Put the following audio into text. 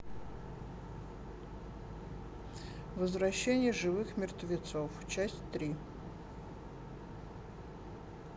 возвращение живых мертвецов часть три